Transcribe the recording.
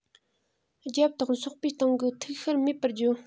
རྒྱབ དང སོག པའི སྟེང གི ཐིག ཤར མེད པར བརྗོད